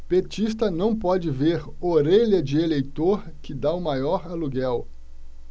petista não pode ver orelha de eleitor que tá o maior aluguel